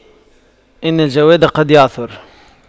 إن الجواد قد يعثر